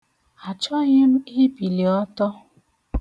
Achọghị m ibili ọtọ.